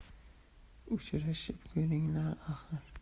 uchrashib ko'ringlar axir